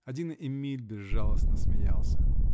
Один Эмиль безжалостно смеялся.